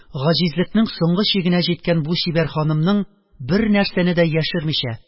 Гаҗизлекнең соңгы чигенә җиткән бу чибәр ханымның, бернәрсәне дә яшермичә